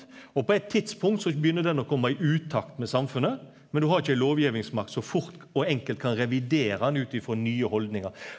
og på eit tidspunkt so begynner den å komma i utakt med samfunnet men du har ikkje ei lovgjevingsmakt som fort og enkelt kan revidera han utifrå nye haldningar.